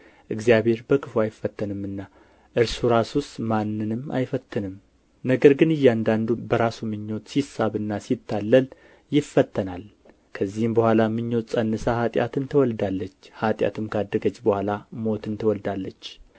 እግዚአብሔር በክፉ አይፈተንምና እርሱ ራሱስ ማንንም አይፈትንም ነገር ግን እያንዳንዱ በራሱ ምኞት ሲሳብና ሲታለል ይፈተናል ከዚህ በኋላ ምኞት ፀንሳ ኃጢአትን ትወልዳለች ኃጢአትም ካደገች በኋላ ሞትን ትወልዳለች